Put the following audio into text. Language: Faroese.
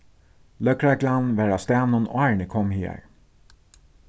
løgreglan var á staðnum áðrenn eg kom hagar